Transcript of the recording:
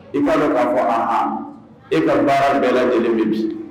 I k'a don k'a fɔ ahan, e ka baara bɛɛ lajɛlen bɛ bi